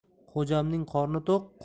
xo'jamning qorni to'q